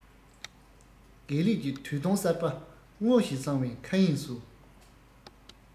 དགེ ལེགས ཀྱི དུས སྟོན གསར པ སྔོ ཞིང བསངས པའི མཁའ དབྱིངས སུ